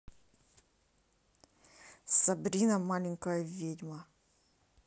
сабрина маленькая ведьма